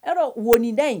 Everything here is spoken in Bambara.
A y dɔn wɔnida in